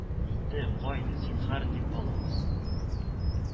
Инде, кайт, зинһар, дип балавыз